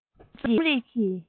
ཁྱོད ཀྱིས རྩོམ རིག གི